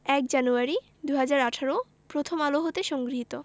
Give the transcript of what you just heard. ০১ জানুয়ারি ২০১৮ প্রথম আলো হতে সংগৃহীত